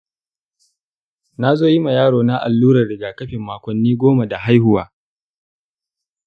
nazo yima yaro na allurar rigakafin makonni goma da haihuwa.